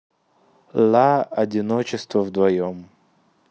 la одиночество вдвоем